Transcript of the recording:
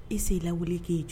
I tɛ se ka wili ka